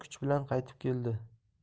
bir kuch bilan qaytib keldi